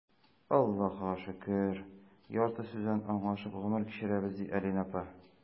Аллаһыга шөкер, ярты сүздән аңлашып гомер кичерәбез,— ди Алинә апа.